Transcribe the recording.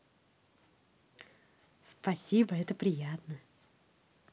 спасибо это приятно